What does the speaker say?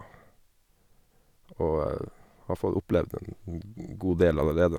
Og har fått opplevd en god del allerede.